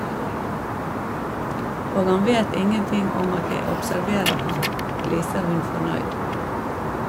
Og han vet ingenting om at jeg observerer ham, gliser hun fornøyd.